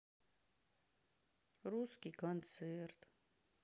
русский концерт